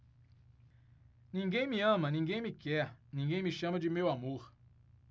ninguém me ama ninguém me quer ninguém me chama de meu amor